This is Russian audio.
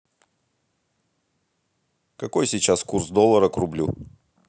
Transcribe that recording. какой сейчас курс доллара к рублю